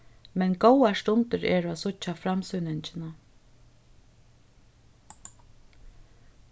men góðar stundir eru at síggja framsýningina